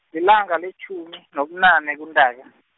lilanga letjhumi, nobunane kuNtaka.